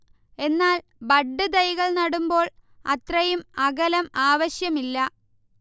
എന്നാൽ ബഡ്ഡ് തൈകൾ നടുമ്പോൾ അത്രയും അകലം ആവശ്യമില്ല